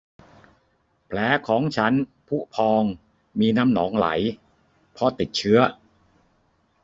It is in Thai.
แผลของฉันพุพองมีน้ำหนองไหลเพราะติดเชื้อ